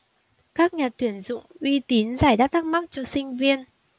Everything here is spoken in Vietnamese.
các nhà tuyển dụng uy tín giải đáp thắc mắc cho sinh viên